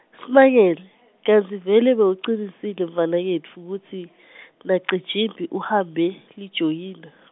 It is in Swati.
simangele , kantsi vele bowucinisile mnaketfu kutsi , naCijimphi uhambe, lijoyina?